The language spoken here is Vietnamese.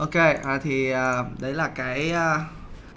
ô kê ờ thì đấy là cái ơ